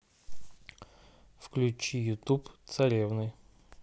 включи ютуб царевны